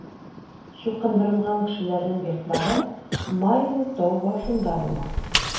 Чукындырылган кешеләрнең йортлары Майна тау башында була.